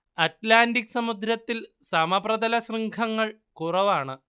Atlantic സമുദ്രത്തിൽ സമപ്രതലശൃംഖങ്ങൾ കുറവാണ്